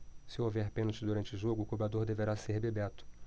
se houver pênalti durante o jogo o cobrador deverá ser bebeto